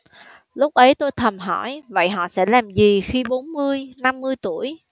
lúc ấy tôi thầm hỏi vậy họ sẽ làm gì khi bốn mươi năm mươi tuổi